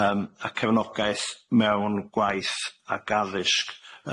yym a cefnogaeth mewn gwaith ag addysg.